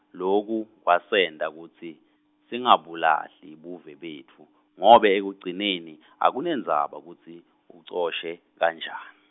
loku kwasenta kutsi singabulahli buve betfu ngobe ekugcineni akunendzaba kutsi ucoshe kanjani.